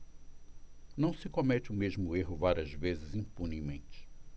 não se comete o mesmo erro várias vezes impunemente